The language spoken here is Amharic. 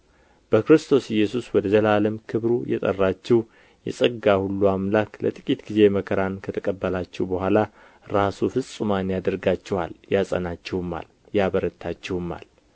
በክርስቶስ ኢየሱስ ወደ ዘላለም ክብሩ የጠራችሁ የጸጋ ሁሉ አምላክ ለጥቂት ጊዜ መከራን ከተቀበላችሁ በኋላ ራሱ ፍጹማን ያደርጋችኋል ያጸናችሁምል ያበረታችሁማል